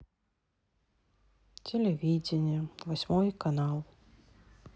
телевидение восьмой канал